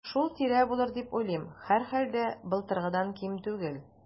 Шул тирә булыр дип уйлыйм, һәрхәлдә, былтыргыдан ким түгел.